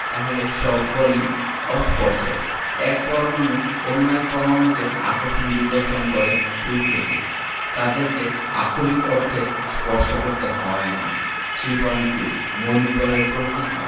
তাহলে সব বলই অস্পর্শক এক পরমাণু অন্য পরমাণুকে আকর্ষণ বিকর্ষণ করে দূর থেকে তাদেরকে আক্ষরিক অর্থে স্পর্শ করতে হয় না 3.2 মৌলিক বলের প্রকৃতি